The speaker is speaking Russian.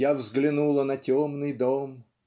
Я взглянула на темный дом.